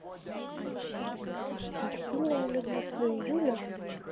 как сильно я люблю свою юлю